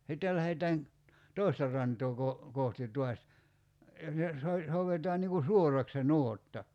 sitten lähdetään toista rantaa - kohti taas - soudetaan niin kuin suoraksi se nuotta